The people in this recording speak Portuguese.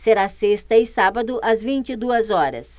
será sexta e sábado às vinte e duas horas